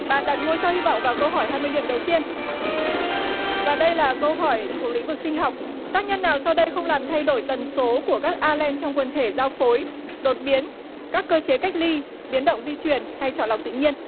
bạn đặt ngôi sao hy vọng vào câu hỏi hai mươi điểm đầu tiên và đây là câu hỏi thuộc lĩnh vực sinh học tác nhân nào sau đây không làm thay đổi tần số của các a len trong quần thể giao phối đột biến các cơ chế cách ly biến động di chuyển hay chọn lọc tự nhiên